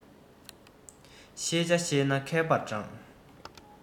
ཤེས བྱ ཤེས ན མཁས པར བགྲང